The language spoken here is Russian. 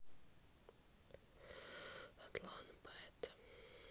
атлон бета